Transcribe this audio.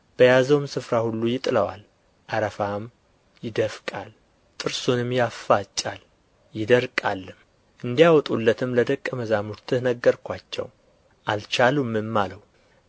በያዘውም ስፍራ ሁሉ ይጥለዋል አረፋም ይደፍቃል ጥርሱንም ያፋጫል ይደርቃልም እንዲያወጡለትም ለደቀ መዛሙርትህ ነገርኋቸው አልቻሉምም አለው